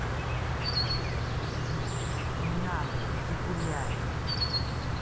не надо иди гуляй